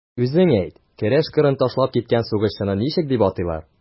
Үзең әйт, көрәш кырын ташлап киткән сугышчыны ничек дип атыйлар?